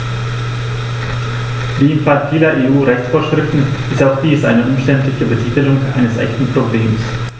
Wie im Fall vieler EU-Rechtsvorschriften ist auch dies eine umständliche Betitelung eines echten Problems.